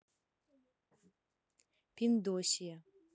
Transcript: пендосия